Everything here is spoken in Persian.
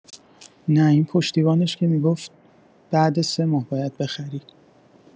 نه این پشتیبانش که می‌گفت بعد ۳ ماه باید بخری